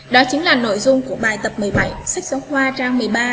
đó chính là nội dung của bài tập sách giáo khoa trang